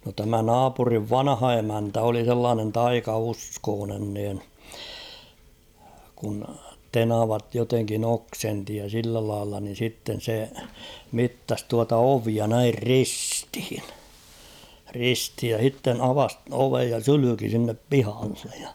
no tämä naapurin vanha emäntä oli sellainen taikauskoinen niin kun tenavat jotenkin oksensi ja sillä lailla niin sitten se mittasi tuota ovea näin ristiin ristiin ja sitten avasi oven ja sylki sinne pihalle ja